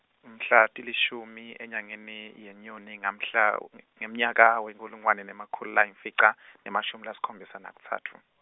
mhla tilishumi, enyangeni, yeNyoni ngamhla , ngemnyaka wenkhulungwane nemakhulu layimfica , nemashumi lasikhombisa nakutsatfu.